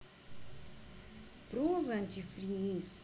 прозе антифриз